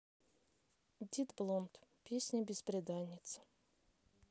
dead blonde песня бесприданница